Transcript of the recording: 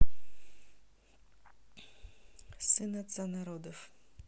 сын отца народов